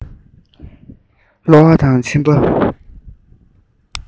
གློ བ དང མཆིན པ